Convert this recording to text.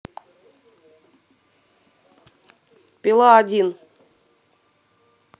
пила один